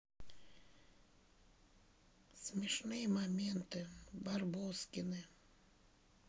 смешные моменты барбоскины